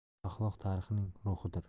axloq tarixning ruhidir